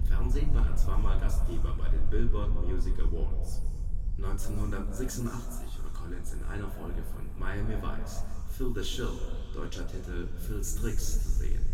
Fernsehen war er zweimal Gastgeber bei den Billboard Music Awards. 1986 war Collins in einer Folge von Miami Vice (Phil The Shill, deutscher Titel: Phils Tricks) zu sehen.